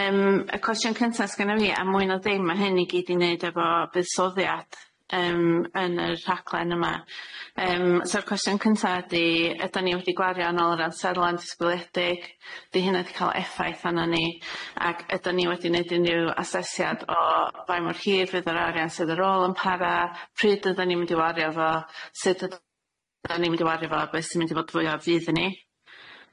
Yym y cwestiwn cynta sgenno fi a mwy na dim ma' hyn i gyd i neud efo buddsoddiad, yym yn y rhaglen yma yym so'r cwestiwn cynta ydi, ydan ni wedi gwario yn ôl yr amserlen disgwyliedig, di hynna di ca'l effaith arnon ni, ag ydan ni wedi neud unryw asesiad o faint mor hir fydd yr arian sydd ar ôl yn para, pryd ydan ni mynd i wario fo, sut yd- ydan ni mynd i wario fo beth sy'n mynd i fod fwyaf fydd i ni?